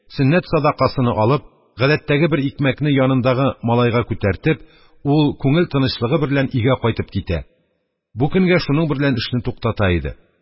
Сөннәт сәдакасыны алып, гадәттәге бер икмәкне янындагы малайга күтәртеп, ул күңел тынычлыгы берлән өйгә кайтып китә, бу көнгә шуның берлән эшене туктата иде